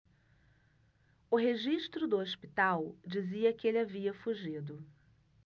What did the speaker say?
o registro do hospital dizia que ele havia fugido